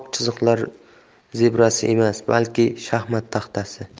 oq chiziqlar zebrasi emas balki shaxmat taxtasi